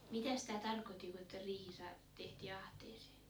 mitäs tämä tarkoitti kun että riihi - tehtiin ahteeseen